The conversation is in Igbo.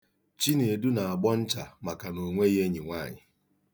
Chinedu na-agbọ ncha maka na o nweghị enyi nwaanyị.